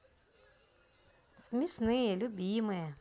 смешные любимые